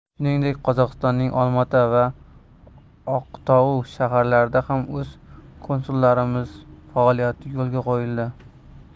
shuningdek qozog'istonning olmaota va oqtou shaharlarida ham o'z konsulxonalarimiz faoliyati yo'lga qo'yildi